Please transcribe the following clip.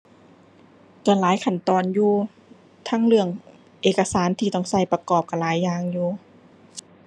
ก็หลายขั้นตอนอยู่ ทั้งเรื่องเอกสารที่ต้องก็ประกอบ ก็หลายอย่างอยู่